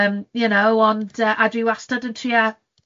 place, yym y'know, ond yy a dwi wastad yn trio,